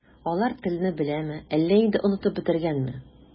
Алар телне беләме, әллә инде онытып бетергәнме?